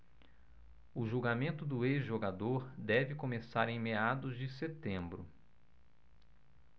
o julgamento do ex-jogador deve começar em meados de setembro